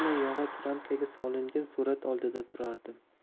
yog'och ramkaga solingan surat oldida turardim